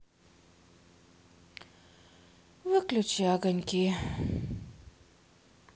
выключи огоньки